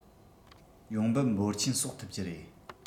ཡོང འབབ འབོར ཆེན གསོག ཐུབ ཀྱི རེད